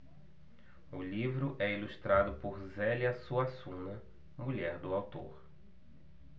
o livro é ilustrado por zélia suassuna mulher do autor